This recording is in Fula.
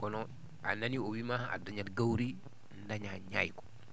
kono a nanii o wiimaa dañat gawri dañaa ñaayku